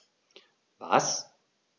Was?